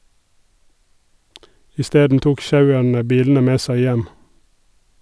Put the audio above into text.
Isteden tok sjauerne bilene med seg hjem.